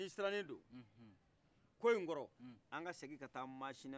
ni i sirannen do ko in kɔrɔ an ka segin ka taa maasina